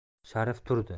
sharif turdi